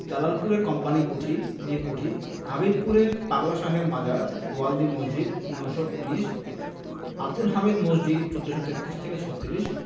দালালপুরে company কুঠি নীল কুঠি হাবিবপুরে পাগলা শাহের মাজার গোয়ালদি মসজিদ ১৫১৯ আবদুল হামিদ মসজিদ১৪৩৩ ৩৬